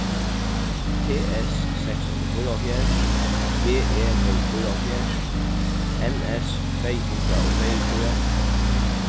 t s seks hundrað og fýraoghálvfjerðs b e null fýraoghálvfjerðs n s tvey hundrað og tveyogtjúgu